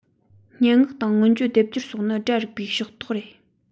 སྙན ངག དང མངོན བརྗོད སྡེབ སྦྱོར སོགས ནི སྒྲ རིག པའི ཕྱོགས གཏོགས རེད